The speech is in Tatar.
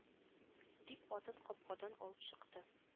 - дип атын капкадан алып чыкты